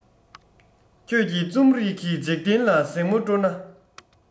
ཁྱོད ཀྱིས རྩོམ རིག གི འཇིག རྟེན ལ གཟིགས མོ སྤྲོ ན